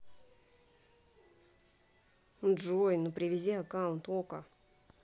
джой ну привези аккаунт okko